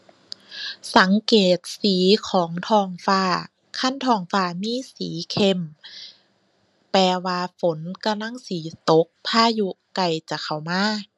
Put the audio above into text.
สังเกตสีของท้องฟ้า คันท้องฟ้ามีสีเข้ม แปลว่าฝนกำลังสิตกพายุใกล้จะเข้ามา